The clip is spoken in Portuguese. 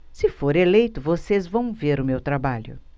se for eleito vocês vão ver o meu trabalho